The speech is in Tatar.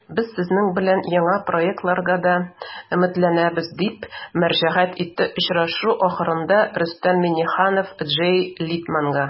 Без сезнең белән яңа проектларга да өметләнәбез, - дип мөрәҗәгать итте очрашу ахырында Рөстәм Миңнеханов Джей Литманга.